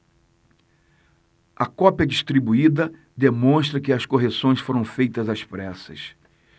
a cópia distribuída demonstra que as correções foram feitas às pressas